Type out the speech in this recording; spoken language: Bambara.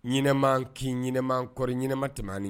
Ɲɛnama k'i ɲɛnaman kɔrɔɔri ɲɛnama tɛmɛnmaniin